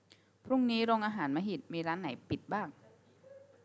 พรุ่งนี้โรงอาหารมหิตมีร้านไหนปิดบ้าง